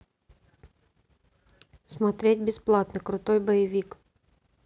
смотреть бесплатно крутой боевик